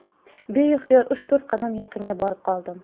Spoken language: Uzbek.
beixtiyor uch to'rt qadam yaqin borib qoldim